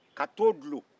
ka ton dulon